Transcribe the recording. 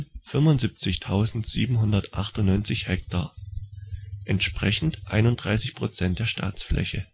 11.075.798 Hektar, entsprechend 31 % der Staatsfläche